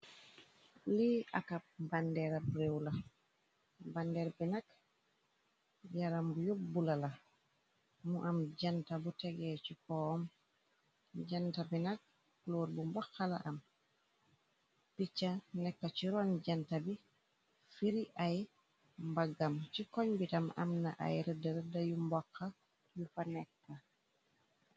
Lii ak ab bandeerab réew la bandeer bi nag yaram yóbbula la mu am janka bu tegee ci poom janka binag lor bu mboxala am picca nekka ci ron janka bi firi ay mbaggam ci koñ bitam am na ay rëdda rëdda yu mboxa yu fa nekka.